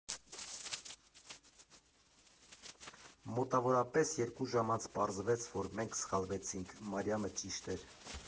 Մոտավորապես երկու ժամ անց պարզվեց, որ մենք սխալվեցինք, Մարիամը ճիշտ էր։